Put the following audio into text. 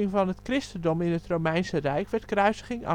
van het christendom in het Romeinse Rijk werd kruisiging